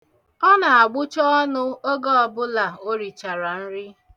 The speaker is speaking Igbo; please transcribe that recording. Ọ na-agbụcha ọnụ oge ọbụla o richara nri.